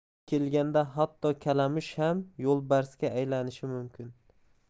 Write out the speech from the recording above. kuni kelganda hatto kalamush ham yo'lbarsga aylanishi mumkin